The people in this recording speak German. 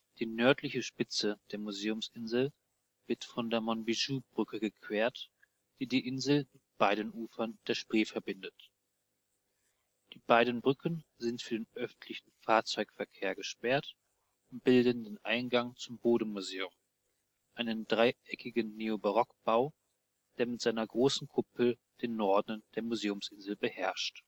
Die nördliche Spitze der Museumsinsel wird von der Monbijoubrücke gequert, die die Insel mit beiden Ufern der Spree verbindet. Die beiden Brücken sind für den öffentlichen Fahrzeugverkehr gesperrt und bilden den Eingang zum Bode-Museum, einem dreieckigen Neobarock-Bau, der mit seiner großen Kuppel den Norden der Museumsinsel beherrscht